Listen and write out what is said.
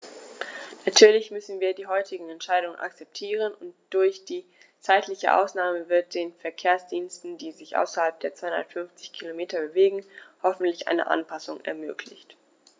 Natürlich müssen wir die heutige Entscheidung akzeptieren, und durch die zeitliche Ausnahme wird den Verkehrsdiensten, die sich außerhalb der 250 Kilometer bewegen, hoffentlich eine Anpassung ermöglicht.